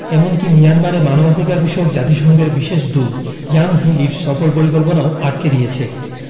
এমনকি মিয়ানমারে মানবাধিকারবিষয়ক জাতিসংঘের বিশেষ দূত ইয়াংহি লির সফর পরিকল্পনাও আটকে দিয়েছে